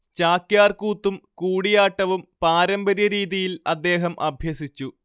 ചാക്യാർ കൂത്തും കൂടിയാട്ടവും പാരമ്പര്യ രീതിയിൽ അദ്ദേഹം അഭ്യസിച്ചു